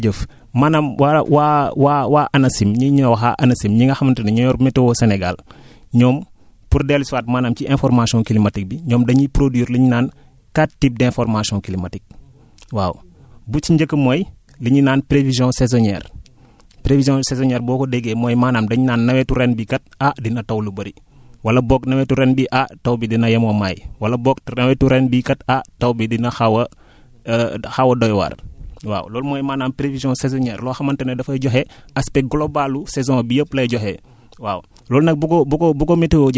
waa jërëjëf maanaam waa waa waa waa ANACIM ñi ñu wax waa ANACIM ñi nga xamante ne ñoo yor météo Sénégal ñoom pour dellusiwaat maanaam ci information climatique bi ñoom dañuy produire li ñu naan quatre types d' information climatique waaw bu ci njëkk mooy li ñu naan prévision :fa saisonière prévision saisonière boo ko déggee mooy maanaam dañ naan nawetu ren bii kat ah dina taw lu bëri wala boog nawetu ren bi ah taw bi dina yemoomaay wala boog nawetu ren bii kat ah taw bi dina xaw a xaw a doy waar waaw loolu mooy maanaam prévision saisonière loo xamante ne dafay joxe aspect global lu saison bi yépp lay joxe waaw